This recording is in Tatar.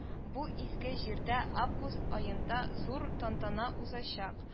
Бу изге җирдә август аенда зур тантана узачак